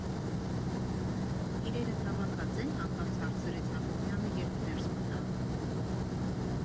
Իրերդ հավաքած ե՞ն, ֊ հանկարծ հարցրեց Հակոբյանը, երբ ներս մտան։